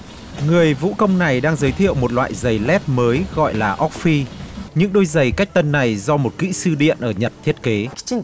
người vũ công này đang giới thiệu một loại giầy lép mới gọi là óp phi những đôi giầy cách tân này do một kỹ sư điện ở nhật thiết kế